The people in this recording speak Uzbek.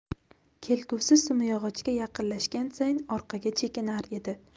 kelgusi simyog'ochga yaqinlashgan sayin orqaga chekinar edi